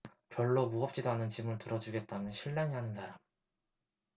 별로 무겁지도 않은 짐을 들어주겠다며 실랑이 하는 사람